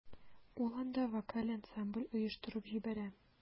Ул анда вокаль ансамбль оештырып җибәрә.